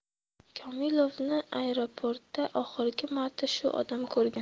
komilovni aeroportda oxirgi marta shu odam ko'rgan